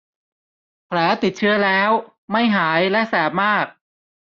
แผลติดเชื้อแล้วไม่หายและแสบมาก